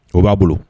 O b'a bolo